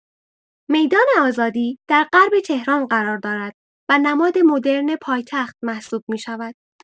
میدان آزادی در غرب تهران قرار دارد و نماد مدرن پایتخت محسوب می‌شود.